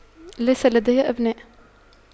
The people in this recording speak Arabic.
ليس لدي أبناء